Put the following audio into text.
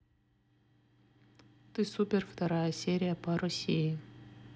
ты супер вторая серия по россии